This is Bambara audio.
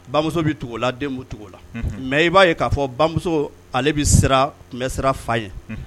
Bamuso bɛ tugu la den la mɛ i b'a ye k'a fɔ bamuso ale bɛ tun bɛ siran fa ye